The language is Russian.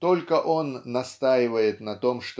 только он настаивает на том